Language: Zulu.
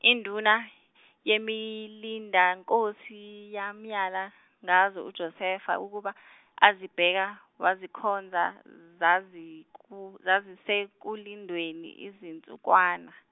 induna, yemilindankosi yamyala ngazo uJosefa ukuba azibheke wazikhonza zaziku- zazisekulindweni izinsukwana.